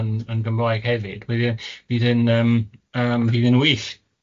yn yn Gymraeg hefyd, bydd e bydd e'n yym yym bydd e'n wych.